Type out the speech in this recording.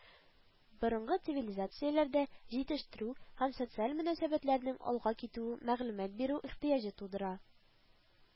Борынгы цивилизацияләрдә җитештерү һәм социаль мөнәсәбәтләрнең алга китүе мәгълүмат бирү ихтыяҗы тудыра